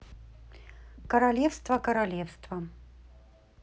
королевство королевство